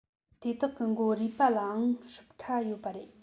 དེ དག གི མགོའི རུས པ ལའང སྲུབས ཁ ཡོད པ རེད